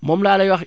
moom laa lay wax